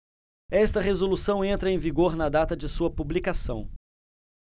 esta resolução entra em vigor na data de sua publicação